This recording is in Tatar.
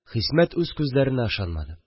Хисмәт үз күзләренә ышанмады